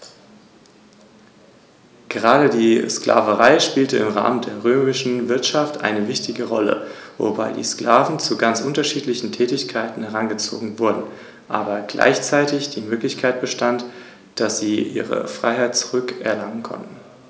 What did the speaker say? Dieser musste nach Roms Sieg auf einen Großteil seiner Besitzungen in Kleinasien verzichten.